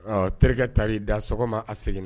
Ɔ terikɛ tari da ma a seginna